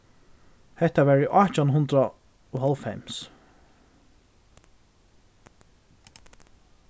hetta var í átjan hundrað og hálvfems